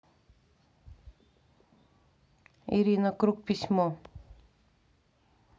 ирина круг письмо